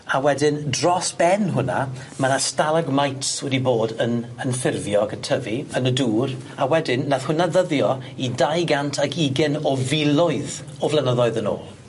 A wedyn dros ben hwnna ma' 'na stalagmites wedi bod yn yn ffurfio ag yn tyfu yn y dŵr a wedyn nath hwnna ddyddio i dau gant ag ugain o filoedd o flynyddoedd yn ôl.